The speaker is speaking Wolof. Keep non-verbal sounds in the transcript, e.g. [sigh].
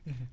[hesitation] [hesitation]